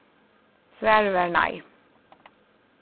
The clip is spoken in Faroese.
svarið var nei